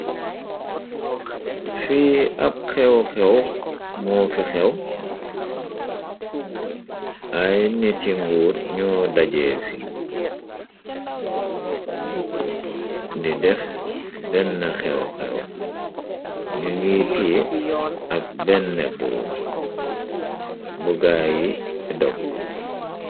Fii ab xew xew moo fi xew, ay niti nguur ñoo dajee fii, di def benn xew xew, ñu ngiy tiye ab benn buum, bu gaay yi dokk.